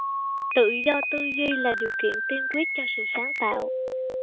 tự do tư duy là điều kiện tiên quyết cho sự sáng tạo